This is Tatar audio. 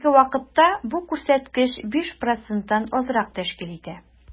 Әлеге вакытта бу күрсәткеч 5 проценттан азрак тәшкил итә.